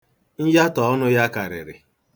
Myatọ ọnụ ya karịrị.